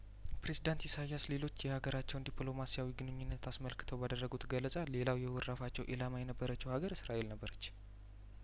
ፕሬዝዳንት ኢሳያስ ሌሎች የሀገራቸውን ዲፕሎማሲያዊ ግንኙነት አስመልክተው ባደረጉት ገለጻ ሌላው የውረፋቸው ኢላማ የነበረችው ሀገር እስራኤል ነበረች